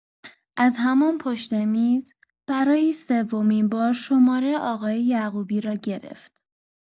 از همان پشت میز، برای سومین‌بار شماره آقای یعقوبی را گرفت.